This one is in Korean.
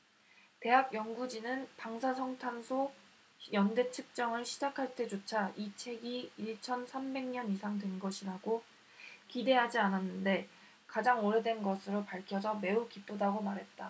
대학 연구진은 방사성탄소 연대측정을 시작할 때조차 이 책이 일 천 삼백 년 이상 된 것이라고 기대하지 않았는데 가장 오래된 것으로 밝혀져 매우 기쁘다고 말했다